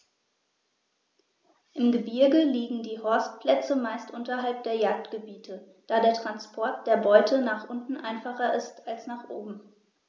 Im Gebirge liegen die Horstplätze meist unterhalb der Jagdgebiete, da der Transport der Beute nach unten einfacher ist als nach oben.